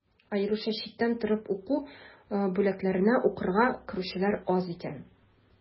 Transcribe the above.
Аеруча читтән торып уку бүлекләренә укырга керүчеләр аз икән.